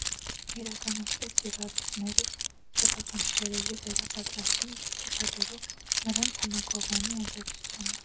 Իրականացվեց հյուրատների սեփականատերերի վերապատրաստում՝ ցուցաբերելով նրանց համակողմանի աջակցություն։